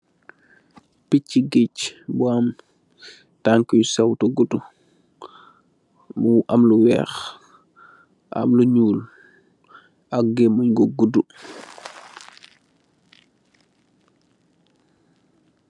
Pechi gach bu am tanka yu siiw te gudu, mu am lu weekh, am lu niol, amm gamegn bu gudu.